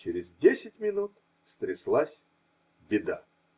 Через десять минут стряслась беда.